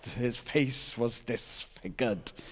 His face was disfigured.